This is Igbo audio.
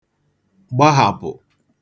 gbahàpụ̀